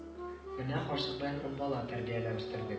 Менә карчык белән ун бала тәрбияләп үстердек